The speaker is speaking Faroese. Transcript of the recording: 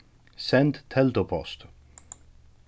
send teldupost